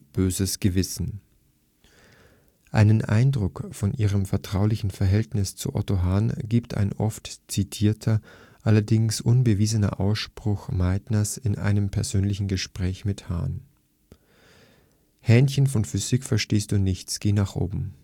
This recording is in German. böse Gewissen. “Einen Eindruck von ihrem vertraulichen Verhältnis zu Otto Hahn gibt ein oft zitierter, allerdings unbewiesener Ausspruch Meitners in einem persönlichen Gespräch mit Hahn: „ Hähnchen, von Physik verstehst Du nichts, geh nach oben